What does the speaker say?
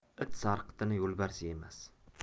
it sarqitini yo'lbars yemas